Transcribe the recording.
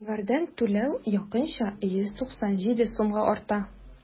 Январьдан түләү якынча 197 сумга арта.